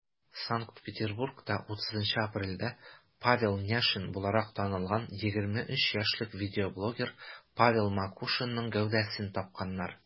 Санкт-Петербургта 30 апрельдә Павел Няшин буларак танылган 23 яшьлек видеоблогер Павел Макушинның гәүдәсен тапканнар.